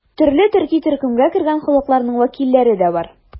Төрле төрки төркемгә кергән халыкларның вәкилләре дә бар.